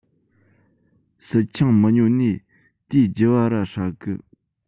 སིལ ཆང མི ཉོ ནིས དེའི རྒྱུ བ ར ཧྲ གི